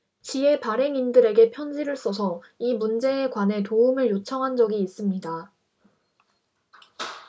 지의 발행인들에게 편지를 써서 이 문제에 관해 도움을 요청한 적이 있습니다